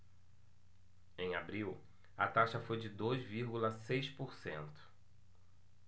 em abril a taxa foi de dois vírgula seis por cento